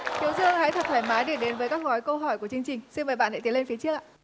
hiếu dương hãy thật thoải mái để đến với các gói câu hỏi của chương trình xin mời bạn hãy tiến lên phía trước ạ